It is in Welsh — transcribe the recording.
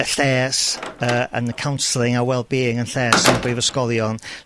y lles yy yn y counceliing a wellbeing yn lles yn y brifysgolion.